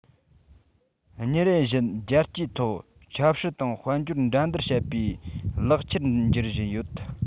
ཉིན རེ བཞིན རྒྱལ སྤྱིའི ཐོག ཆབ སྲིད དང དཔལ འབྱོར འགྲན བསྡུར བྱེད པའི ལག ཆར འགྱུར བཞིན ཡོད